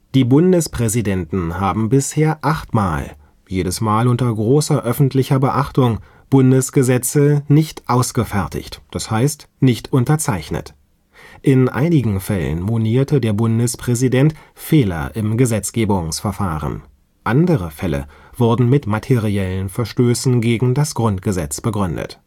Die Bundespräsidenten haben bisher acht Mal, jedes Mal unter großer öffentlicher Beachtung, Bundesgesetze nicht „ ausgefertigt “, das heißt nicht unterzeichnet. In einigen Fällen monierte der Bundespräsident Fehler im Gesetzgebungsverfahren; andere Fälle wurden mit materiellen Verstößen gegen das Grundgesetz begründet